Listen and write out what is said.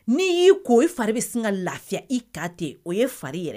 N'i y'i ko i fari bɛ sin ka lafiya i kan ten o ye fari yɛrɛ